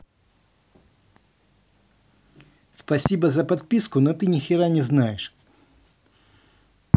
спасибо за подписку но ты нихера не знаешь